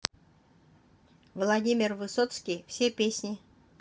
владимир высоцкий все песни